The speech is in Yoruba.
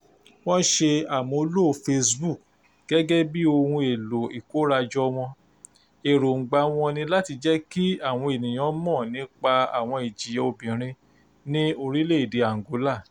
Wọ́n ṣe àmúlò Facebook gẹ́gẹ́ bí ohun èlò ìkórajọ wọn, èròńgbà wọn ni láti jẹ́ kí àwọn ènìyàn mọ̀ nípa àwọn ìjìyà obìnrin ní orílẹ̀-èdè Angola: